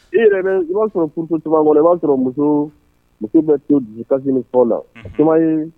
I yɛrɛ i b'a sɔrɔ tuma kɔnɔ i b'a sɔrɔ muso muso bɛ to dusu kasi fɔ na tuma ye